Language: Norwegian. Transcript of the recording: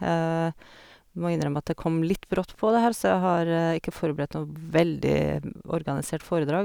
Må innrømme at det kom litt brått på, det her, så jeg har ikke forberedt noe veldig organisert foredrag.